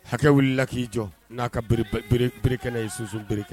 Hakɛ wulila la k'i jɔ n'a ka bere bere-erekɛ ye sonpere kɛ